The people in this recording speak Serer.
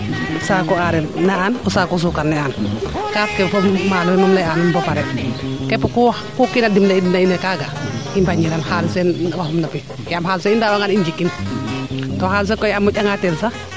saaku areer na aan o saaku sukar ne'aan kaaf ke fo maalo fee moom ne'a num boo pare keep kuu kiina dimle na in no kaaga i mbañi ran xalis fee waxi nopi yaam xalis fee i ndaawa ngaan i njikin to xalis fee koy a moƴ anga teel sax